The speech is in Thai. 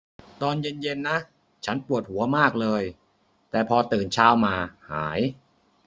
ตอนเย็นเย็นนะฉันปวดหัวมากเลยแต่พอตื่นเช้ามาหาย